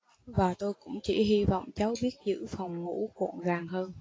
và tôi cũng chỉ hy vọng cháu biết giữ phòng ngủ gọn gàng hơn